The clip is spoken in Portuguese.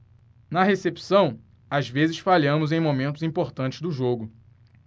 na recepção às vezes falhamos em momentos importantes do jogo